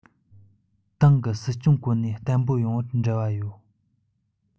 ཏང གི སྲིད སྐྱོང གོ གནས བརྟན པོ ཡོང བར འབྲེལ བ ཡོད